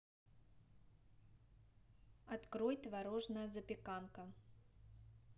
открой творожная запеканка